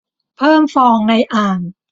เพิ่มฟองในอ่าง